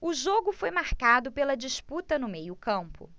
o jogo foi marcado pela disputa no meio campo